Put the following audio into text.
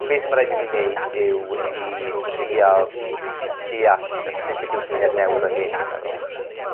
beth ma' raid i ni wneud i'w i trial deall y s- beth yw'r syniad newydd o hen fi'n meddwl.